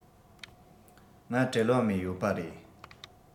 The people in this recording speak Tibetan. ང བྲེལ བ མེད ཡོད པ རེད